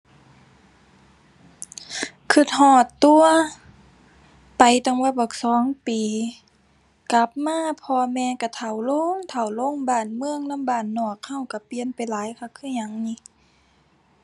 คิดฮอดตั่ว ไปตั้งว่าบักสองปี กลับมาพ่อแม่คิดเฒ่าลงเฒ่าลง บ้านเมืองนำบ้านนอกคิดคิดเปลี่ยนไปหลายคักคือหยังหนิ